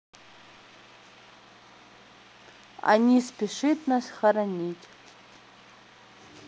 они спешит нас хоронить